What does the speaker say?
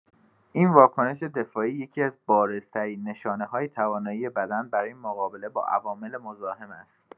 این واکنش دفاعی یکی‌از بارزترین نشانه‌های توانایی بدن برای مقابله با عوامل مزاحم است.